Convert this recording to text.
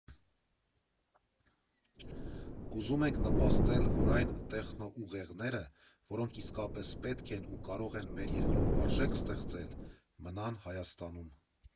Ուզում ենք նպաստել, որ այն տեխնոուղեղները, որոնք իսկապես պետք են ու կարող են մեր երկրում արժեք ստեղծել, մնան Հայաստանում։